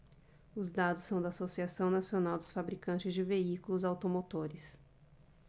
os dados são da anfavea associação nacional dos fabricantes de veículos automotores